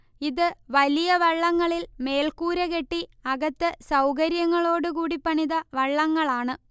ഇത് വലിയ വള്ളങ്ങളിൽ മേൽക്കൂര കെട്ടി അകത്ത് സൗകര്യങ്ങളോട് കൂടി പണിത വള്ളങ്ങളാണ്